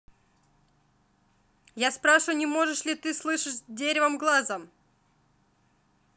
я спрашиваю не можешь ли ты слышишь деревом глазом